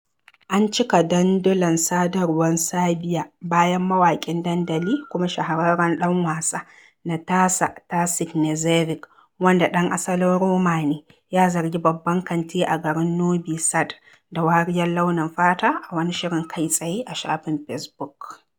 An cika dandulan sadarwar Serbia bayan mawaƙin dandali kuma shahararren ɗan wasa Natasa Tasic Knezeɓic, wanda ɗan asalin Roma ne, ya zargi babban kanti a garin Noɓi Sad da wariyar launiya fata a wani shirin kai tsaye a shafin Fesbuk.